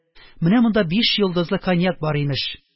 Менә монда биш йолдызлы коньяк бар, имеш.